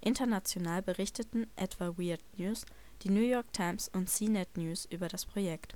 International berichteten etwa Wired News, die New York Times und CNet News über das Projekt